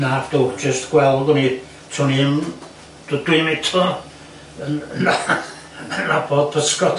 Nac 'dw jys gweld o'n i to' ni dwn dw- dwi'm eto yn yn nabod pysgod.